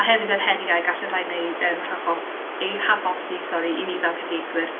A hefyd yr heriau gallu rhai wneu- yym hacho- eu achosi - sori - i ni fel cyfieithwyr.